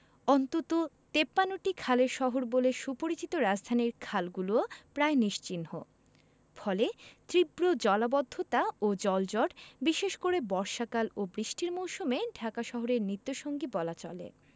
অন্তত ৫৩টি খালের শহর বলে সুপরিচিত রাজধানীর খালগুলোও প্রায় নিশ্চিহ্ন ফলে তীব্র জলাবদ্ধতা ও জলজট বিশেষ করে বর্ষাকাল ও বৃষ্টির মৌসুমে ঢাকা শহরের নিত্যসঙ্গী বলা চলে